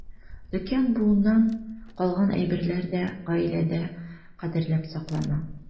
Өлкән буыннан калган әйберләр дә гаиләдә кадерләп саклана.